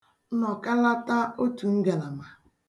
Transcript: nọ̀kalata otùngàlàmà